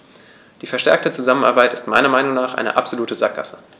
Die verstärkte Zusammenarbeit ist meiner Meinung nach eine absolute Sackgasse.